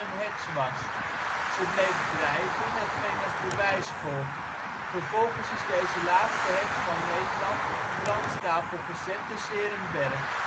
heks was. Ze bleef drijven, hetgeen als bewijs gold. Vervolgens is deze laatste heks van Nederland op de brandstapel gezet te ' s-Heerenberg